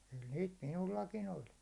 kyllä niitä minullakin oli